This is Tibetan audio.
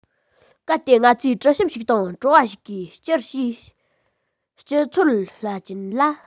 གལ ཏེ ང ཚོས དྲི ཞིམ ཞིག དང བྲོ བ ཞིག གིས ཅིའི ཕྱིར སྐྱིད ཚོར སྦྱིན ལ